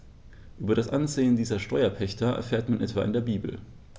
Über das Ansehen dieser Steuerpächter erfährt man etwa in der Bibel.